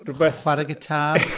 Rhywbeth, chwarae'r gitar?